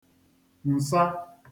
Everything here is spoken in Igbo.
ǹsa